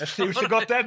Y lliw llygoden!